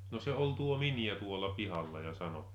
no se oli tuo miniä tuolla pihalla ja sanoi